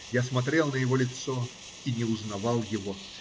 Я смотрел на его лицо и не узнавал его